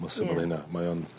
Mor syml a 'na mae o'n